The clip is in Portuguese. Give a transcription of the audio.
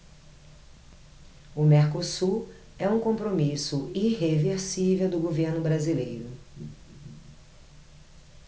o mercosul é um compromisso irreversível do governo brasileiro